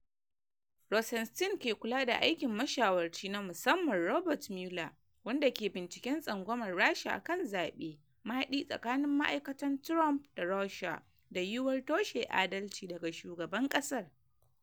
Rosenstein ke kula da aikin mashawarci na musamman Robert Mueler, wanda ke binciken tsangwamar Rasha akan zabe, mahadi tsakanin ma’aikatan Trump da Russia da yiyuwar toshe adalci daga Shugaban kasar.